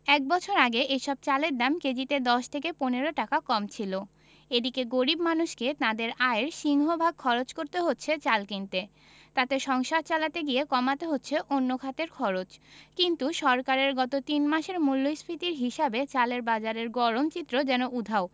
এক বছর আগে এসব চালের দাম কেজিতে ১০ থেকে ১৫ টাকা কম ছিল এদিকে গরিব মানুষকে তাঁদের আয়ের সিংহভাগ খরচ করতে হচ্ছে চাল কিনতে তাতে সংসার চালাতে গিয়ে কমাতে হচ্ছে অন্য খাতের খরচ কিন্তু সরকারের গত তিন মাসের মূল্যস্ফীতির হিসাবে চালের বাজারের গরম চিত্র যেন উধাও